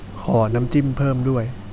ขอน้ำจิ้มเพิ่มด้วย